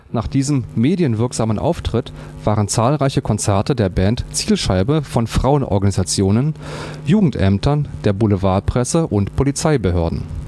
Nach diesem medienwirksamen Auftritt waren zahlreiche Konzerte der Band Zielscheibe von Frauenorganisationen, Jugendämtern, der Boulevardpresse und Polizeibehörden